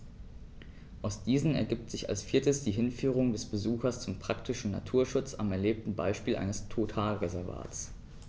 Aus diesen ergibt sich als viertes die Hinführung des Besuchers zum praktischen Naturschutz am erlebten Beispiel eines Totalreservats.